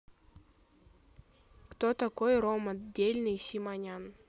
кто такой рома дельный симонян